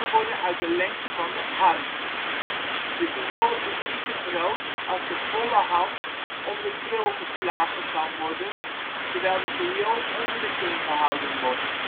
worden uit de lengte van de arm: de viool is niet te groot als de volle hand om de krul geslagen kan worden terwijl de viool onder de kin gehouden wordt